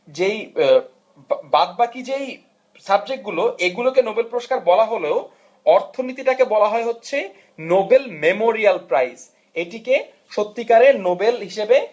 বাদ বাকি যেই সাবজেক্টগুলো এগুলো কে নোবেল পুরস্কার বলা হলেও অর্থনীতিকে বলা হয় হচ্ছে নবেল মেমোরিয়াল প্রাইজ এটিকে সত্যি কারের নোবেল হিসেবে